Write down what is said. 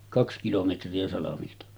kaksi kilometriä salmilta